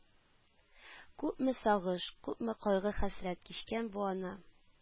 Күпме сагыш, күпме кайгы-хәсрәт кичкән бу Ана